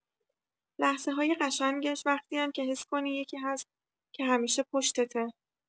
لحظه‌های قشنگش وقتی‌ان که حس کنی یکی هست که همیشه پشتته.